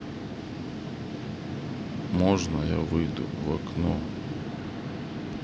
можно я выйду в окно